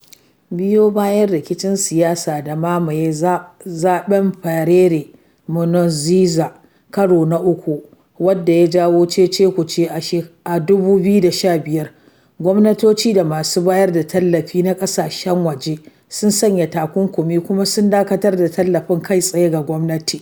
Biyo bayan rikicin siyasa da ya mamaye zaɓen Pierre Nkurunziza karo na uku wadda ya jawo cece-kuce a 2015, gwamnatoci da masu bayar da tallafi na ƙasashen waje sun sanya takunkumi kuma sun dakatar da tallafin kai tsaye ga gwamnati.